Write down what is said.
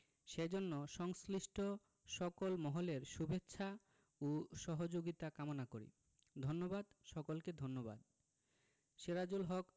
সেজন্য সংশ্লিষ্ট সকল মহলের শুভেচ্ছা ও সহযোগিতা কামনা করি ধন্যবাদ সকলকে ধন্যবাদ সেরাজুল হক